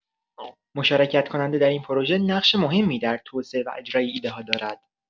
مشارکت‌کننده در این پروژه نقش مهمی در توسعه و اجرای ایده‌ها دارد.